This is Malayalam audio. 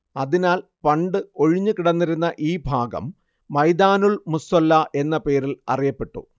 അതിനാൽ പണ്ടു ഒഴിഞ്ഞുകിടന്നിരുന്ന ഈ ഭാഗം മൈദാനുൽ മുസ്വല്ല എന്ന പേരിൽ അറിയപ്പെട്ടു